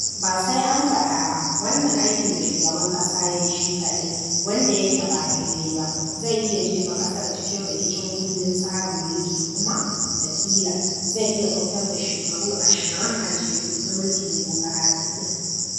Ba sai an faɗa ba, wannan aikin da shugaban ƙasa ya yi shi kaɗai wanda yake ba daidai ba zai iya jefa ƙasar cikin rikicin kundin tsarin mulki kuma, wataƙila, zai iya kautar da shekaru 20 a jere na mulkin dimukuraɗiyya.